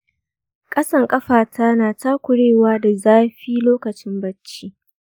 ƙasan ƙafata na takurewa da zafi lokacin barci.